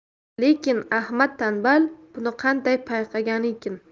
lekin ahmad tanbal buni qanday payqaganikin